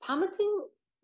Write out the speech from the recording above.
pam ydw i'n